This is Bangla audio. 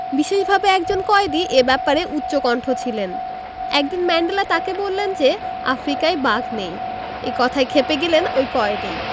বিশেষভাবে একজন কয়েদি এ ব্যাপারে উচ্চকণ্ঠ ছিলেন একদিন ম্যান্ডেলা তাঁকে বললেন যে আফ্রিকায় বাঘ নেই এ কথায় খেপে গেলেন ওই কয়েদি